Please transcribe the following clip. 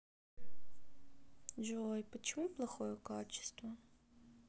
джой почему плохое качество